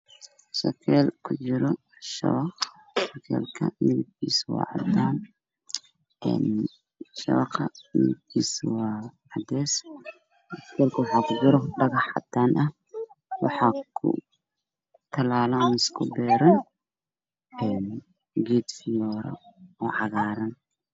Meshaan waxaa yaala sekel cadaan ah waxaa ku wareegsan shabaq maxaa ka baxayo geed cagaar ah oo qurxan